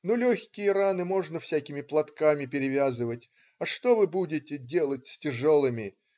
Ну, легкие раны можно всякими платками перевязывать, а что вы будете делать с тяжелыми?